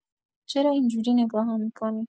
چرا این جوری نگاهم می‌کنی؟